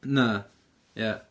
Na, ia.